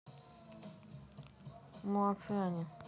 молодцы они